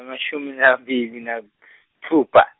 nginemashumi lamabili naku tfupha.